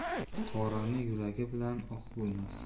qorani yuvgan bilan oq bo'lmas